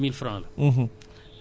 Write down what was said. te yooyu yépp bu ñu ko xaymaa